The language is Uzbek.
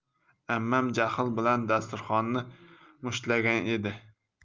ammam jahl bilan dasturxonni mushtlagan edi